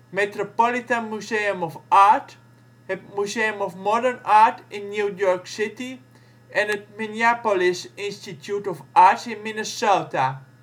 Metropolitan Museum of Art, het Museum of Modern Art in New York City en het Minneapolis Institute of Arts in Minnesota